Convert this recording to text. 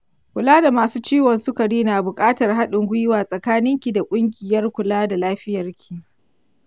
kula da masu ciwon sukari na buƙatar haɗin gwiwa tsakaninki da ƙungiyar kula da lafiyarki.